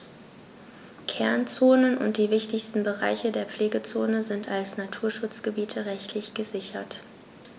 Kernzonen und die wichtigsten Bereiche der Pflegezone sind als Naturschutzgebiete rechtlich gesichert.